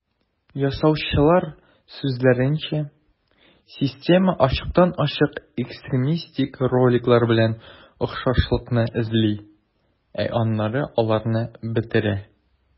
Ясаучылар сүзләренчә, система ачыктан-ачык экстремистик роликлар белән охшашлыкны эзли, ә аннары аларны бетерә.